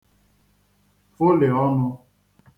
fụlị̀ ọnụ̄